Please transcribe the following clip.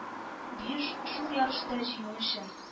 Биюш, шул ярышта җиңү өчен